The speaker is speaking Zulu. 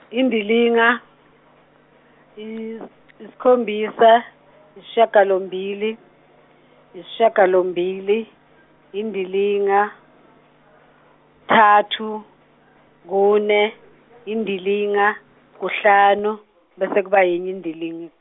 iqanda, i- isikhombisa, isishiyagalombili, isishiyagalombili, iqanda, kuthathu, kune, iqanda, kuhlanu, bese kuba elinye iqanda.